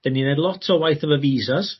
'Dyn ni neud lot o waith efo visas.